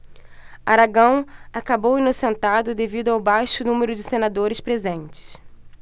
aragão acabou inocentado devido ao baixo número de senadores presentes